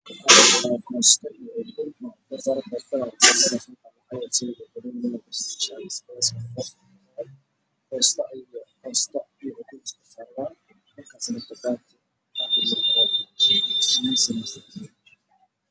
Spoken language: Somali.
Waa saxan cadaan waxaa ku jira qudaar iyo ukun